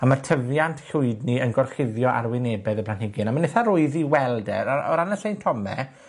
A ma' tyfiant llwydni yn gorchuddio arwynebedd y planhigyn, a ma'n itha rwydd i weld e o ra- o ran y symtome,